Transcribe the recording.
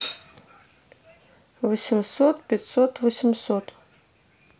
восемьсот пятьсот восемьсот